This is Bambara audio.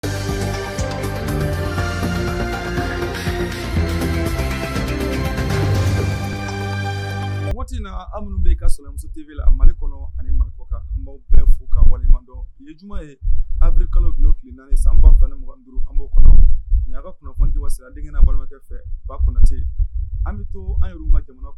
Waati in na an minnu bɛ ka sɔrɔmuso tɛv a mali kɔnɔ ani mali baw bɛɛ fo ka walima ye juma yebiri kalo bi y' ki naaniani san' mɔgɔ an b'o kɔnɔ a ka kunnafoni di wa siran den balimakɛ fɛ ba kɔnɔ tɛ an bɛ to an ka jamana